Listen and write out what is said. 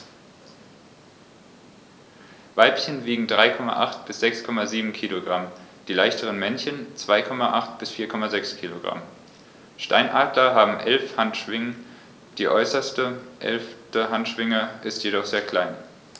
Weibchen wiegen 3,8 bis 6,7 kg, die leichteren Männchen 2,8 bis 4,6 kg. Steinadler haben 11 Handschwingen, die äußerste (11.) Handschwinge ist jedoch sehr klein.